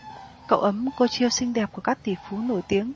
cậu ấm cô chiêu xinh đẹp của các tỷ phú nổi tiếng